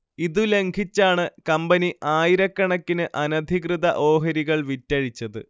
ഇതു ലംഘിച്ചാണ് കമ്പനി ആയിരക്കണക്കിന് അനധികൃത ഓഹരികൾ വിറ്റഴിച്ചത്